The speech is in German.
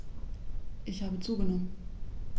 Ich habe zugenommen.